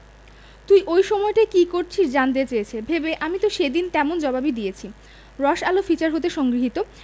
তুই ওই সময়টায় কী করছিস সেটি জানতে চেয়েছে ভেবে আমি সেদিন তেমন জবাব দিয়েছি রসআলো ফিচার হতে সংগৃহীত